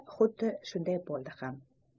xuddi shunday bo'ldi ham